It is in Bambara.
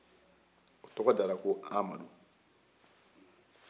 o tɔgɔ dara ko amadu